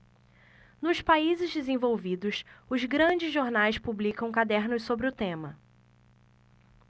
nos países desenvolvidos os grandes jornais publicam cadernos sobre o tema